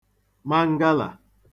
mangalà